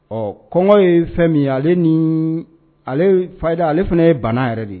Ɔ kɔngɔ ye fɛn min ye ale ni ale fada ale fana ye bana yɛrɛ de ye